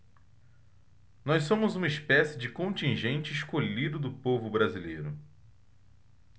nós somos uma espécie de contingente escolhido do povo brasileiro